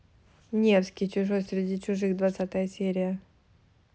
невский чужой среди чужих двадцатая серия